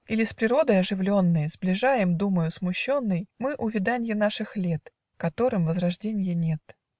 Или с природой оживленной Сближаем думою смущенной Мы увяданье наших лет, Которым возрожденья нет?